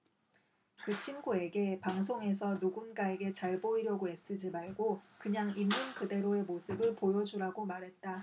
그 친구에게 방송에서 누군가에게 잘 보이려고 애쓰지 말고 그냥 있는 그대로의 모습을 보여 주라고 말했다